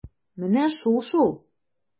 Менә шул-шул!